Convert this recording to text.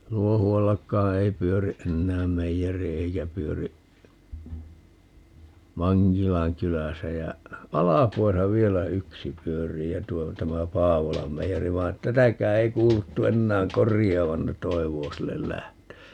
Luohuallakaan ei pyöri enää meijeri eikä pyöri Mankilan kylässä ja Alpuassa vielä yksi pyörii ja tuo tämä Paavolan meijeri vaan että tätäkään ei kuuluttu enää korjaavan ne toivoo sille lähtöä